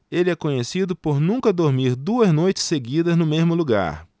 ele é conhecido por nunca dormir duas noites seguidas no mesmo lugar